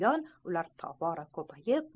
bundan buyon ular tobora ko'payib